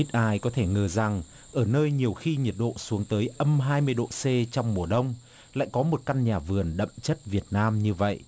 ít ai có thể ngờ rằng ở nơi nhiều khi nhiệt độ xuống tới âm hai mươi độ xê trong mùa đông lại có một căn nhà vườn đậm chất việt nam như vậy